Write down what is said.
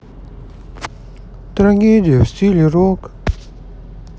трагедия в стиле рок